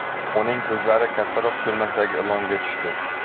uning ko'zlari kattaroq ko'lmakdagi ilonga tushdi